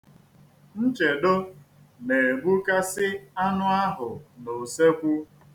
Nchedo na-egbukasị anụ ahụ n'usekwu.